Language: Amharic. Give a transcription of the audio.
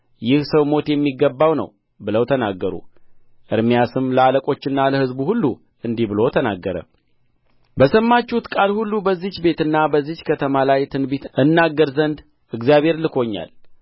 ይህ ሰው ሞት የሚገባው ነው ብለው ተናገሩ ኤርምያስም ለአለቆችና ለሕዝቡ ሁሉ እንዲህ ብሎ ተናገረ በሰማችሁት ቃል ሁሉ በዚህች ቤትና በዚህች ከተማ ላይ ትንቢት እናገር ዘንድ እግዚአብሔር ልኮኛል